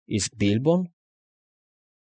Իսկ Բիլբո՞ն։